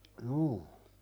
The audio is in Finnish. juu